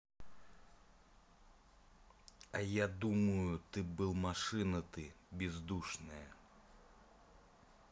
а я думаю что был машина ты бездушная